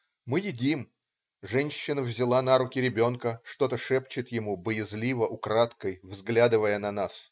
Мы едим - женщина взяла на руки ребенка, что-то шепчет ему, боязливо, украдкой взглядывая на нас.